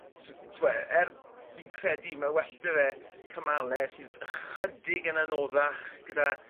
so t'mod er fi'n credu mae well 'da fe cymale sydd ychydig yn anoddach gyda